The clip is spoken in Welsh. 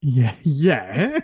Ie... ie.